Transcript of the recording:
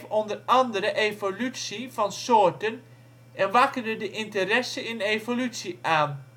onder andere evolutie van soorten en wakkerde de interesse in evolutie aan